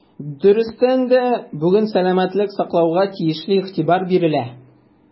Дөрестән дә, бүген сәламәтлек саклауга тиешле игътибар бирелә.